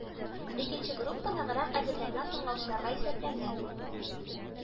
Икенче группа ныграк әзерләнгән тыңлаучыларга исәпләнгән